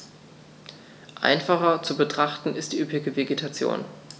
Einfacher zu betrachten ist die üppige Vegetation.